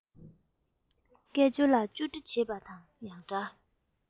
སྐད ཅོར ལ ཅོ འདྲི བྱེད པ དང ཡང འདྲ